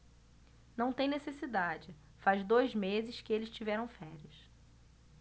não tem necessidade faz dois meses que eles tiveram férias